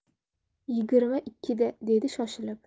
yigirma ikkida dedi shoshilib